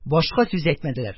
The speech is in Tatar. Башка сүз әйтмәделәр.